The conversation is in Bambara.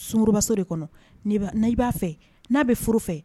Sunurubaso de kɔnɔ' i b'a fɛ n'a bɛ furu fɛ